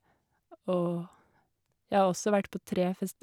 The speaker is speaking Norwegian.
Og jeg har også vært på tre fest...